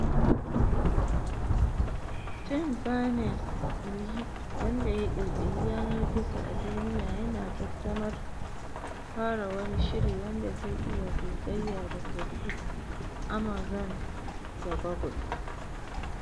Tim Berners-Lee, wanda ya Ƙirƙiri Yanar Gizo a duniya, yana ƙaddamar fara wani shiri wanda zai yi gogayya da Facebook, Amazon da Google.